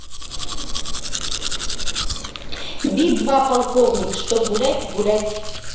би два полковник что гулять гулять